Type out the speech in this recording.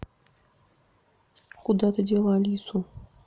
куда ты дела алису